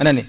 anani